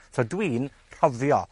So dwi'n rhofio,